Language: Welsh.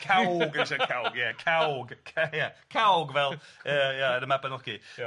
Cawg yn lle cawr. Ie cawg ca- ie cawg fel yy ia yn y Mabinogi. Ia.